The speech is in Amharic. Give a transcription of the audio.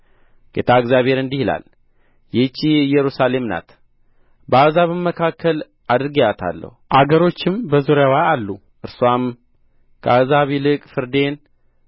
ጌታ እግዚአብሔር እንዲህ ይላል ይህች ኢየሩሳሌም ናት በአሕዛብም መካከል አድርጌአታለሁ አገሮችም በዙሪያዋ አሉ እርስዋም ከአሕዛብ ይልቅ ፍርዴን